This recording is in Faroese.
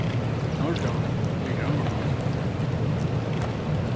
norra er grannaland okkara